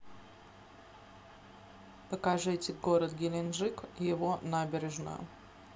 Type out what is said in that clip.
покажите город геленджик и его набережную